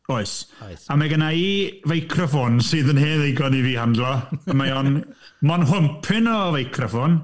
Oes... oes. ...a ma' genna i feicroffon sydd yn hen ddigon i fi handlo. Mae o'n... mae'n hompyn o feicroffon.